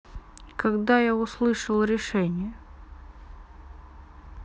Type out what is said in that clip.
когда я услышал решение